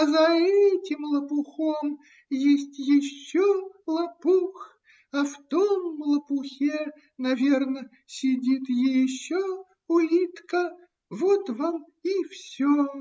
А за этим лопухом есть еще лопух, а в том лопухе, наверно, сидит еще улитка. Вот вам и все.